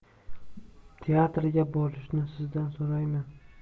teatrga borishni sizdan so'rayman